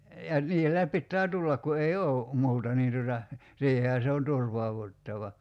ja niinhän sillä pitää tulla kun ei ole muuta niin tuota siihenhän se on turvauduttava